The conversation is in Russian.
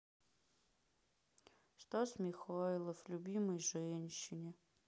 стас михайлов любимой женщине